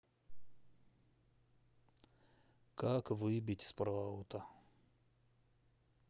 как выбить спраута